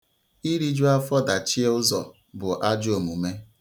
Iriju afọ dachie uzọ bụ ajọ omume.